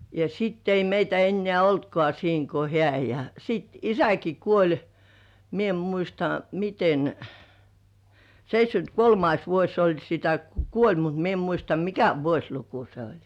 ja sitten ei meitä enää ollutkaan siinä kuin hän ja sitten isäkin kuoli minä en muista miten seitsemänkymmentä kolmas vuosi se oli sitä kun kuoli mutta minä en muista mikä vuosiluku se oli